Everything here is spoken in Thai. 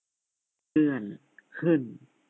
เลื่อนขึ้น